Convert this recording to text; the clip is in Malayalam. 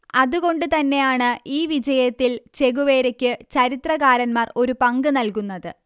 അതുകൊണ്ടുതന്നെയാണ് ഈ വിജയത്തിൽ ചെഗുവേരയ്ക്ക് ചരിത്രകാരന്മാർ ഒരു പങ്ക് നല്കുന്നത്